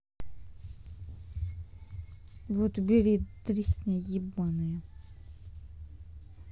вот убери дресня ебаная